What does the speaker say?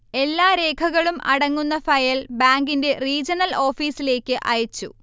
എല്ലാരേഖകളും അടങ്ങുന്ന ഫയൽ ബാങ്കിന്റെ റീജണൽ ഓഫീസിലേക്ക് അയച്ചു